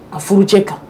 Ka furujɛ kan